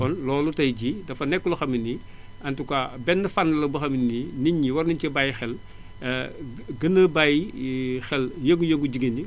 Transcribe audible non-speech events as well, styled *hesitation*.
kon loolu tey jii dafa nekk loo xam ne nii en tout cas benn fànn la boo xam ne nii nit ñi war nañu cee bàyyi xel *hesitation* gën a bàyyi *hesitation* xel yëngu-yëngu jigéen ñi